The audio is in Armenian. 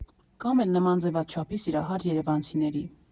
Կամ էլ նման ձևաչափի սիրահար երևանցիների։